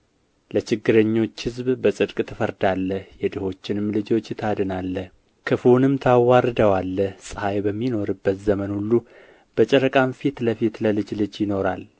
ለችግረኞች ሕዝብ በጽድቅ ትፈርዳለህ የድሆችንም ልጆች ታድናለህ ክፉውንም ታዋርደዋለህ ፀሐይ በሚኖርበት ዘመን ሁሉ በጨረቃም ፊት ለፊት ለልጅ ልጅ ይኖራል